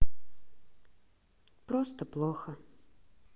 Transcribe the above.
просто плохо